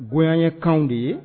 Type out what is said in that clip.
Bonya yekan de ye